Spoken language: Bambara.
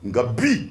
Nka bi